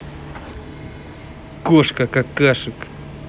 кошка какашек